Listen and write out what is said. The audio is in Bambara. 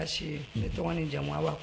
Merci ne tɔgɔ ni jamu